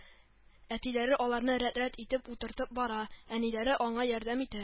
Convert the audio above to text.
Әтиләре аларны рәт-рәт итеп утыртып бара, әниләре аңа ярдәм итә